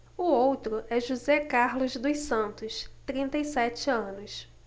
o outro é josé carlos dos santos trinta e sete anos